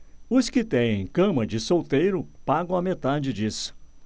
os que têm cama de solteiro pagam a metade disso